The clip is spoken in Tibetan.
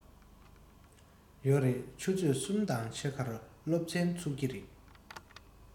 ཡོད རེད ཆུ ཚོད གསུམ དང ཕྱེད ཀར སློབ ཚན ཚུགས ཀྱི རེད